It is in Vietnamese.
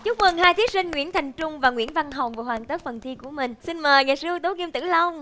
chúc mừng hai thí sinh nguyễn thành trung và nguyễn văn hồng vừa hoàn tất phần thi của mình xin mời nghệ sĩ ưu tú kim tử long